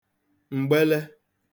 m̀gbele